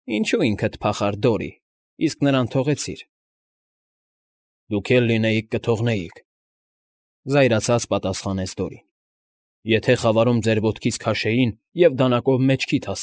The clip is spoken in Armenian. Ինչո՞ւ ինքդ փախար, Դորի, իսկ նրան թողեցիր… ֊ Դուք էլ լինեիք՝ կթողնեիք,֊ զայրացած պատասխանեց Դորին,֊ եթե խավարում ձեր ոտքից քաշեին և դանակով մեջքիդ։